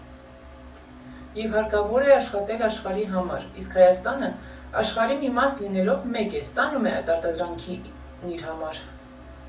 Եվ հարկավոր է աշխատել աշխարհի համար, իսկ Հայաստանը, աշխարհի մի մաս լինելով, մեկ է՝ ստանում է այդ արտադրանքն իր համար։